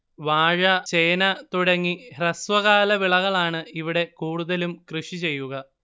വാഴ ചേന തുടങ്ങി ഹ്രസ്വകാലവിളകളാണ് ഇവിടെ കൂടുതലും കൃഷിചെയ്യുക